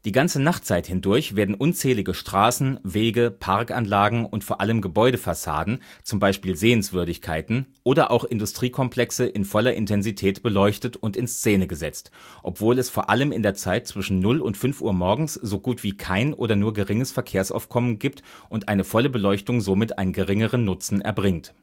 ganze Nachtzeit hindurch werden unzählige Straßen, Wege, Parkanlagen und vor allem Gebäudefassaden (Sehenswürdigkeiten) oder auch Industriekomplexe in voller Intensität beleuchtet und in Szene gesetzt, obwohl es vor allem in der Zeit zwischen 00:00 und 05:00 morgens so gut wie kein oder nur geringes Verkehrsaufkommen gibt und eine volle Beleuchtung somit einen geringeren Nutzen erbringt